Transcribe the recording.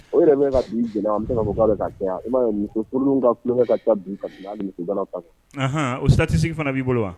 O yɛrɛ bɛ ka bin an ka ioro ka ka o sati sigi fana b'i bolo wa